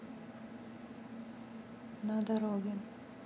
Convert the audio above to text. на дороге